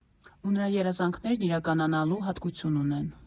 Ու նրա երազանքներն իրականանալու հատկություն ունեն։